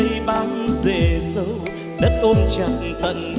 bám rễ dầu đất ôm chặt tận